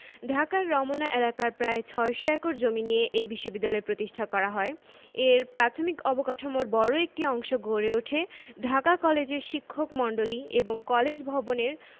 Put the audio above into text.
ঢাকার রমনা এলাকার প্রায় ৬০০ একর জমি নিয়ে এ বিশ্ববিদ্যালয় প্রতিষ্ঠা করা হয় এর প্রাথমিক অবকাঠামোর বড় একটি অংশ গড়ে উঠে ঢাকা কলেজের শিক্ষকমন্ডলী এবং কলেজ ভবনের